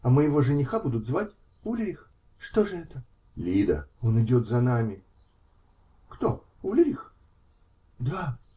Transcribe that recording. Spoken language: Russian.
А моего жениха будут звать Ульрих? Что ж, это. -- Лида, он идет за нами! -- Кто? Ульрих? -- Да!